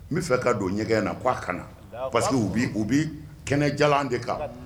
N b bɛa fɛ ka don ɲɛgɛn in na k' a ka na parce que u bɛ kɛnɛja de kan